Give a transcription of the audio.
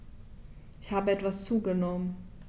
Ich habe etwas zugenommen